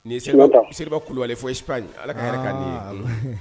Ni seriba Seriba kulubali fɔ espagne ahh, allah ka hɛrɛ kɛ an ye .